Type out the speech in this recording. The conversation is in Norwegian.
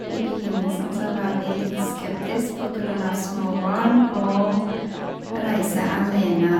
I begynnelsen så var vi litt skeptisk på grunn av små barn og reise alene.